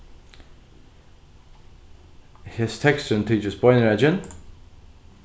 hesin teksturin tyktist beinrakin